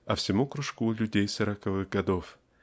а всему кружку людей сороковых годов